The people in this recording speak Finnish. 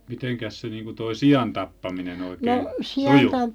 mitenkäs se niin kuin tuo siantappaminen oikein sujui